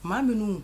Maa minnu